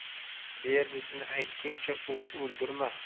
berdisini aytguncha urib o'ldirma